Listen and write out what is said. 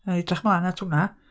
O'n i'n edrych mlaen at hwnna.